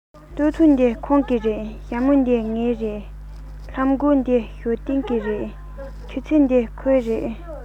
སྟོད ཐུང འདི ཁོང གི རེད ཞྭ མོ འདི ངའི རེད ལྷམ གོག འདི ཞའོ ཏིང གི རེད ཆུ ཚོད འདི ཁོའི རེད